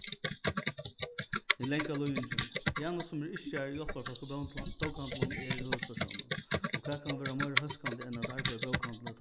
hin langa líðingin janus sum er yrkjari og hjálparfólk í bókahandlinum er høvuðspersónurin og hvat kann vera meira hóskandi enn at arbeiða í bókahandli